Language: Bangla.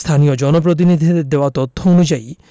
স্থানীয় জনপ্রতিনিধিদের দেওয়া তথ্য অনুযায়ী